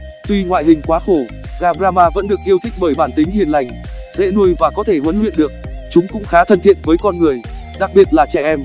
tuy ngoại hình quá khổ gà brahma vẫn được yêu thích bởi bản tính hiền lành dễ nuôi và có thể huấn luyện được chúng cũng khá thân thiện với con người đặc biệt là trẻ em